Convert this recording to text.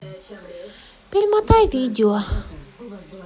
перемотай видео